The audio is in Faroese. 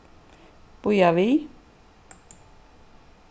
bíða við